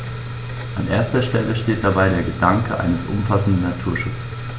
An erster Stelle steht dabei der Gedanke eines umfassenden Naturschutzes.